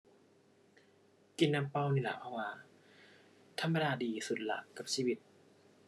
กินน้ำเปล่านี่ล่ะเราว่า ธรรมดาดีสุดละกับชีวิต